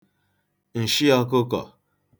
ǹshị ọ̄kụ̄kọ̀